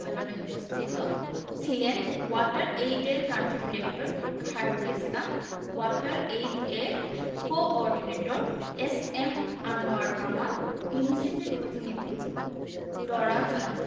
সংবাদ সম্মেলনে উপস্থিত ছিলেন ওয়াটার এইডের country director Khairul Islam water সাপ্লাইর coordinator S M Anwar Kamal ইউনিসেফের প্রতিনিধি